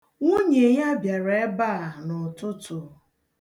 Nwunye ya bịara ebe a n'ụtụtụ.